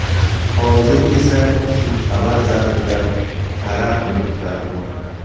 hozir esa shumxabar zarbidan karaxt bo'lib turardi